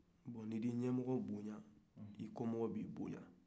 bon n'i y'i ɲɛmɔgɔw buɲa i kɔmɔgɔw b'i boɲa